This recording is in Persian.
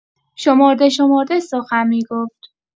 شمرده‌شمرده سخن می‌گفت.